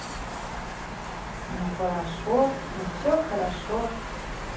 ну хорошо ну все хорошо